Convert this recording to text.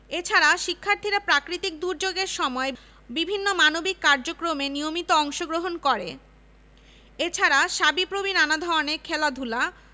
যার মধ্যে আছে demography mineralogy earth science jute and fibre technology public health এবং আরবান অ্যান্ড রুরাল প্ল্যানিং